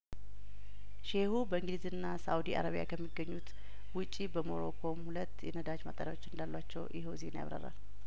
ሼሁ በእንግሊዝና ሳኡዲ አረቢያ ከሚገኙት ውጪ በሞሮኮም ሁለት የነዳጅ ማጣሪያዎች እንዳሏቸው ይኸው ዜና ያብራራል